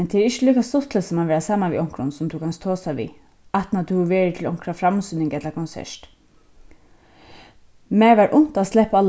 men tað er ikki líka stuttligt sum at vera saman við onkrum sum tú kanst tosa við aftaná tú hevur verið til onkra framsýning ella konsert mær var unt at sleppa á